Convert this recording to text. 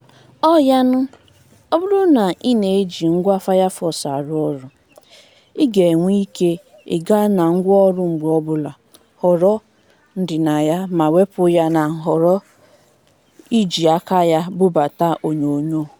(Ọ yanụ, ọ bụrụ na ị na-eji ngwa Firefox arụ ọrụ, ị ga-enwe ike ị ga na Ngwaọrụ mgbe ọbụla -> Nhọrọ ->Ndịnaya ma wepụ ya na nhọrọ 'iji aka ya bubata onyonyo')